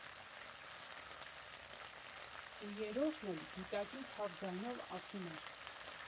Ու երրորդն էլ գիտակի թավ ձայնով ասում էր.